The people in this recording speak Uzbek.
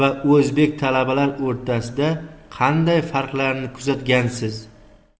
o'zbek talabalar o'rtasida qanday farqlarni kuzatgansiz